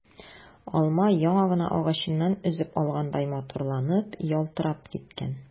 Алма яңа гына агачыннан өзеп алгандай матурланып, ялтырап киткән.